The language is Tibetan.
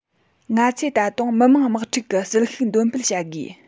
ང ཚོས ད དུང མི དམངས དམག འཁྲུག གི ཟིལ ཤུགས འདོན སྤེལ བྱ དགོས